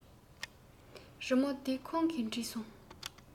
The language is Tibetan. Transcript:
རི མོ འདི ཁོང གིས བྲིས སོང